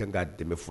K'a den fo